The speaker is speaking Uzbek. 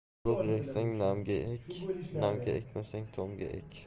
urug' eksang namga ek namga ekmasang tomga ek